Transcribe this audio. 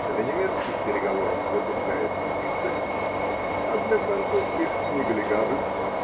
для немецких переговоров выпускается Штект, а для французских -- Неглигабль.